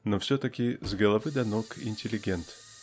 но все-таки с головы до ног интеллигент.